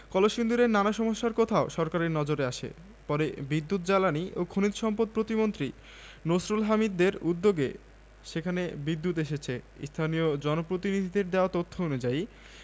কলসিন্দুরের নানা সমস্যার কথাও সরকারের নজরে আসে পরে বিদ্যুৎ জ্বালানি ও খনিজ সম্পদ প্রতিমন্ত্রী নসরুল হামিদদের উদ্যোগে সেখানে বিদ্যুৎ এসেছে স্থানীয় জনপ্রতিনিধিদের দেওয়া তথ্য অনুযায়ী